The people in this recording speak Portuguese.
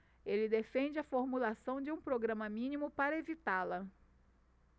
ele defende a formulação de um programa mínimo para evitá-la